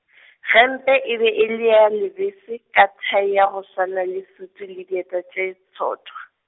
gempe e be e le ya lebese ka thai ya go swana le sutu le dieta tše tsothwa.